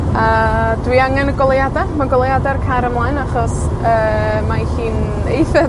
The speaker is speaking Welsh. A dwi angen y goleuada, ma' goleuada'r car ymlaen, achos yy, mae hi'n eitha